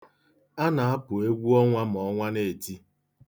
A na-apụ egwu ọnwa ma ọnwa na-eti.